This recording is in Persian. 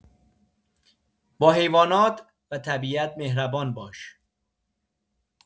با حیوانات و طبیعت مهربان باش!